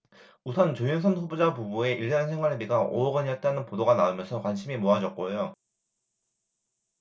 우선 조윤선 후보자 부부의 일 년 생활비가 오 억 원이었다는 보도가 나오면서 관심이 모아졌고요